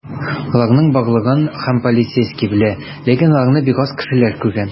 Аларның барлыгын һәр полицейский белә, ләкин аларны бик аз кешеләр күргән.